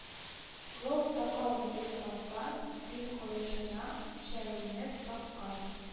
Гылт сакал-мыек баскан, бил каешына чәйнек таккан